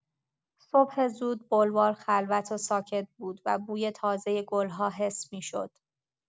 صبح زود، بلوار خلوت و ساکت بود و بوی تازه گل‌ها حس می‌شد.